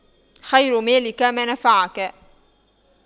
خير مالك ما نفعك